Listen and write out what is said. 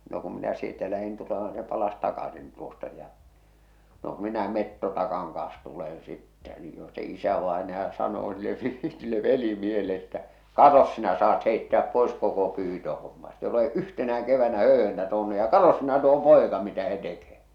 no kun minä sieltä lähdin tulemaan niin se palasi takaisin tuosta ja no - minä metsotaakan kanssa tulen sitten niin jo se isävainaja sanoo sille sille velimiehelle että katsos sinä saat heittää pois koko pyytöhomman ette ole yhtenäkään keväänä höyhentä tuonut ja katsos sinä tuo poika mitä se tekee